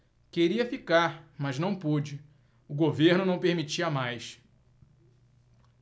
queria ficar mas não pude o governo não permitia mais